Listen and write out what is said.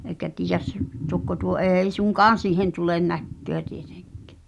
eikä tiedä tokko tuo ei suinkaan siihen tule näköä tietenkään